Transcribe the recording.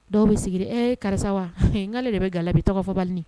Dɔw bɛ sigi ɛ karisa wa' de bɛ ga bi tɔgɔ fɔ bali